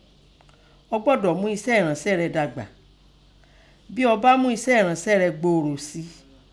Ọ gbọ́dọ̀ mú esẹ́ eransẹ́ rẹ dagba, bin ọ bá mu esẹ́ ẹ̀ransẹ́ rẹ gbòòrò si